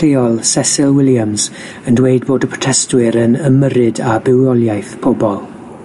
lleol, Cecil Williams, yn dweud bod y protestwyr yn ymyrryd a bywoliaeth pobol.